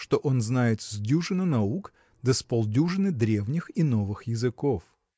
что он знает с дюжину наук да с полдюжины древних и новых языков.